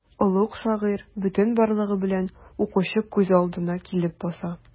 Олуг шагыйрь бөтен барлыгы белән укучы күз алдына килеп баса.